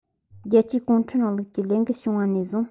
རྒྱལ སྤྱིའི གུང ཁྲན རིང ལུགས ཀྱི ལས འགུལ བྱུང བ ནས བཟུང